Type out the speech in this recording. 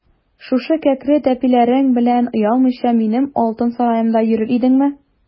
Шушы кәкре тәпиләрең белән оялмыйча минем алтын сараемда йөрер идеңме?